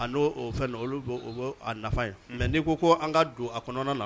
A n' o fɛn olu' nafa ye mɛ n'i ko an ka don a kɔnɔna na